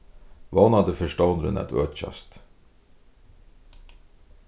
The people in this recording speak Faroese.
vónandi fer stovnurin at økjast